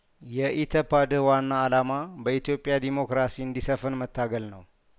የኢተፖድህ ዋና አላማ በኢትዮጵያ ዲሞክራሲ እንዲሰፍን መታገል ነው